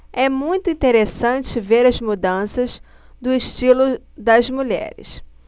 é muito interessante ver as mudanças do estilo das mulheres